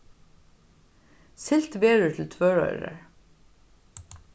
siglt verður til tvøroyrar